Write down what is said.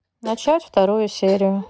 начать вторую серию